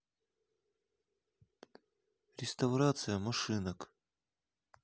реставрация машинок